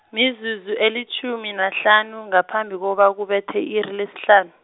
mizuzu elitjhumi nahlanu ngaphambi koba- kubethe i-iri lesihlanu.